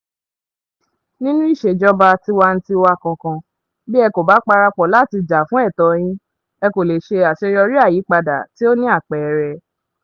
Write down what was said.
Nínú ìṣèjọba tiwantiwa kankan, bí ẹ kò bá parapọ̀ láti jà fún ẹ̀tọ́ yín, ẹ kò lè ṣe àṣeyọrí àyípadà tí ó ní àpẹẹrẹ.